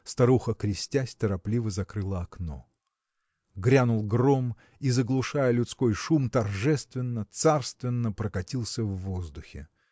старуха, крестясь, торопливо закрыла окно. Грянул гром и заглушая людской шум торжественно царственно прокатился в воздухе.